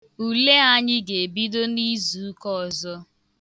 Ule anyị ga-ebido n'izụụka ọzọ.